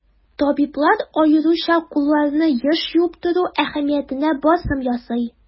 Табиблар аеруча кулларны еш юып тору әһәмиятенә басым ясый.